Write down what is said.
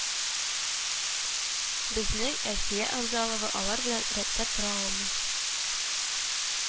Безнең Әлфия Авзалова алар белән рәттән тора алмый